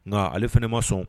Nka ale fana ne ma sɔn